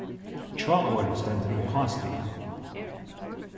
hjáorðið stendur í hástigi